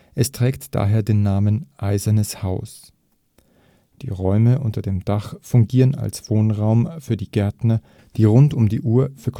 Es trägt daher den Namen Eisernes Haus. Die Räume unter dem Dach fungierten als Wohnraum für die Gärtner, die rund um die Uhr für